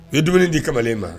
U ye dumuni di kamalen ma